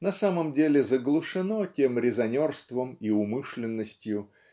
на самом деле заглушено тем резонерством и умышленностью